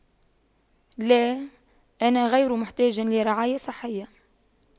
لا انا غير محتاج لرعاية صحية